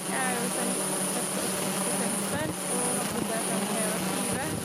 Jeg er jo selv født og oppvokst i Tønsberg og har bodd der fram til jeg var tyve.